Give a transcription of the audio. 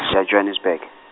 ya Johannesburg.